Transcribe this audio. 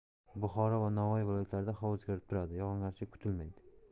buxoro va navoiy viloyatlarida havo o'zgarib turadi yog'ingarchilik kutilmaydi